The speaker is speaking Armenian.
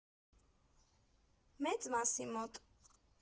Մեծ մասի մոտ։